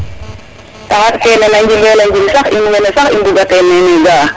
taxar kene na njimela njim sax in wene sax i mbuga ten nene o ga a